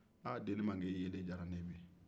aa deninba nka i yeli jara ne ye bi